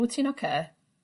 wt ti'n ocê?